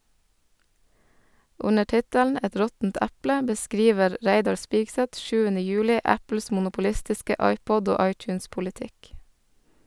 Under tittelen "Et råttent eple" beskriver Reidar Spigseth 7. juli Apples monopolistiske iPod- og iTunes-politikk.